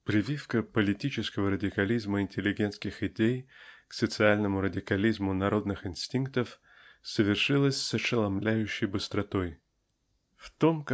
Прививка политического радикализма интеллигентских идей к социальному радикализму народных инстинктов совершилась с ошеломляющей быстротой. В том